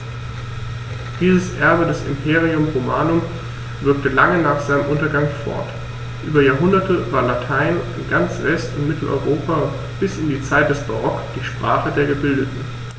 Dieses Erbe des Imperium Romanum wirkte lange nach seinem Untergang fort: Über Jahrhunderte war Latein in ganz West- und Mitteleuropa bis in die Zeit des Barock die Sprache der Gebildeten.